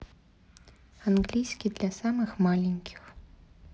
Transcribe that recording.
английский для самых маленьких